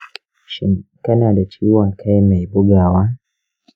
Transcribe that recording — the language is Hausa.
shin kana da ciwon kai mai bugawa?